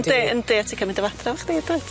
Yndi yndi a ti'n ca'l mynd â fo adre efo chdi y'dwyt?